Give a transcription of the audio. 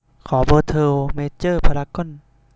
ขอเบอร์โทรเมเจอร์พารากอน